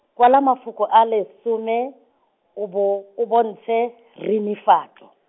kwala mafoko a le some, o bo, o bontshe, rinifatso.